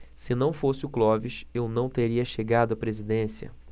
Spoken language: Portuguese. se não fosse o clóvis eu não teria chegado à presidência